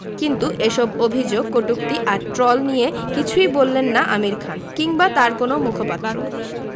কিন্তু এসব অভিযোগ কটূক্তি আর ট্রল নিয়ে কিছুই বলছেন না আমির খান কিংবা তাঁর কোনো মুখপাত্র